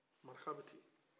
maraka bɛ ten